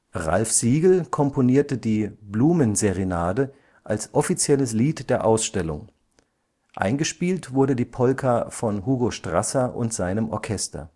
Ralph Siegel komponierte die Blumen-Serenade als offizielles Lied der Ausstellung; eingespielt wurde die Polka von Hugo Strasser und seinem Orchester